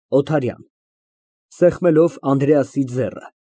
ՕԹԱՐՅԱՆ ֊ (Սեղմելով Անդրեասի ձեռքը)